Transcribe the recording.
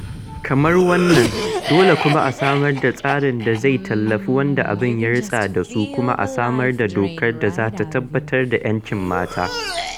Kamar wannan, dole kuma a samar da tsarin da zai tallafi waɗanda abin ya ritsa da su kuma a samar da dokar da za ta tabbatar da 'yancin mata.